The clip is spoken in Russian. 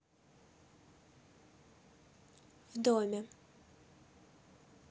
в доме